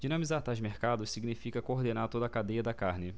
dinamizar tais mercados significa coordenar toda a cadeia da carne